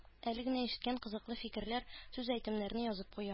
Әле генә ишеткән кызыклы фикерләр, сүз-әйтемнәрне язып куя